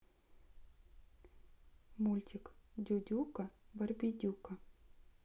мультик дюдюка барбидюка